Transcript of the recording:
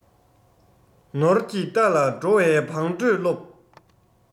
ནོར གྱི རྟ ལ འགྲོ བའི བང འགྲོས སློབས